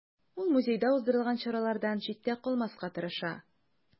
Ул музейда уздырылган чаралардан читтә калмаска тырыша.